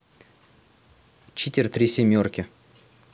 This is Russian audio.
читер три семерки